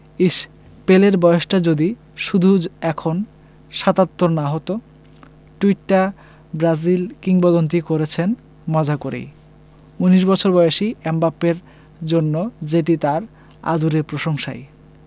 ইশ্ পেলের বয়সটা যদি শুধু এখন ৭৭ না হতো টুইটটা ব্রাজিল কিংবদন্তি করেছেন মজা করেই ১৯ বছর বয়সী এমবাপ্পের জন্য যেটি তাঁর আদুরে প্রশংসাই